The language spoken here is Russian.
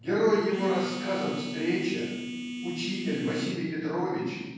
Герой его рассказа "Встреча" учитель Василий Петрович